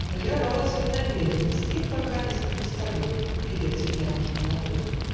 Но я бороться не намерен Ни с ним покамест, ни с тобой, Певец финляндки молодой!